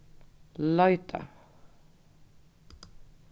leita